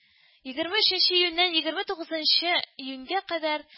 Егерме оченче июньнән егерме тугызына кадәр